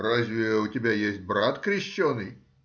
— Разве у тебя есть брат крещеный?